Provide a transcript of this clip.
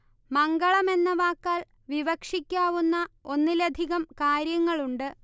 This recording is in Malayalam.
മംഗളം എന്ന വാക്കാൽ വിവക്ഷിക്കാവുന്ന ഒന്നിലധികം കാര്യങ്ങളുണ്ട്